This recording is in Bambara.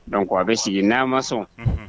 Dɔn a bɛ sigi n'a ma sɔn